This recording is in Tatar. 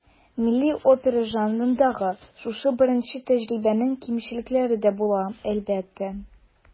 Милли опера жанрындагы шушы беренче тәҗрибәнең кимчелекләре дә була, әлбәттә.